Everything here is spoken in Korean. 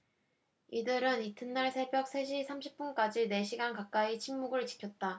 이들은 이튿날 새벽 세 시 삼십 분까지 네 시간 가까이 침묵을 지켰다